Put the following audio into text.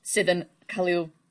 sydd yn cs'l i'w